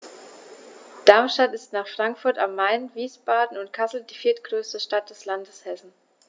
Darmstadt ist nach Frankfurt am Main, Wiesbaden und Kassel die viertgrößte Stadt des Landes Hessen